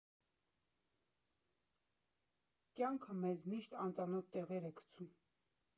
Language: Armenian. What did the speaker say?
Կյանքը մեզ միշտ անծանոթ տեղեր է գցում։